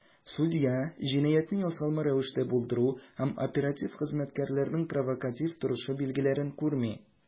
Судья "җинаятьне ясалма рәвештә булдыру" һәм "оператив хезмәткәрләрнең провокатив торышы" билгеләрен күрми.